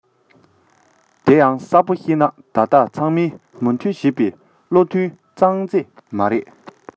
དེའང གསལ པོ བཤད ན ད ལྟ ཚང མས མོས མཐུན བྱས པའི བློ ཐུན ཅང ཙེ མིང རེད